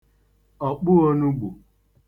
ọ̀kpụōnūgbù